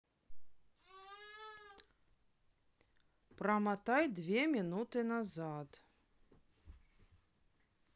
промотай две минуты назад